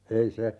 ei se